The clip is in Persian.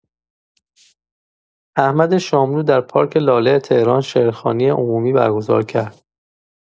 احمد شاملو در پارک لاله تهران شعرخوانی عمومی برگزار کرد.